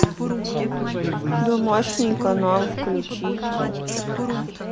домашний канал включите